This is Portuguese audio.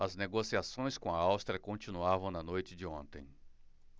as negociações com a áustria continuavam na noite de ontem